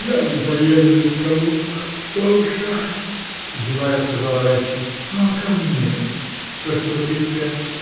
— Я не поеду ни к кому, бабушка, — зевая, сказал Райский. — А ко мне? — спросила Крицкая.